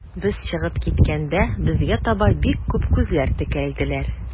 Без чыгып киткәндә, безгә таба бик күп күзләр текәлделәр.